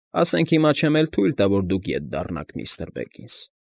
Ասենք հիմա չեմ էլ թույլ տա, որ դուք ետ դառնաք, միստր Բեգինս։